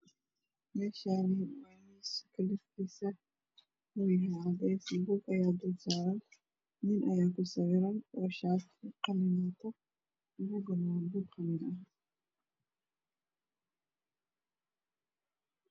Meshani waa miis kalarkiisa waa cadees sanduuq ayaa dul saran nin ayaa ku sawiran oo shati qalin wato shulkuna aaa shul qalin ah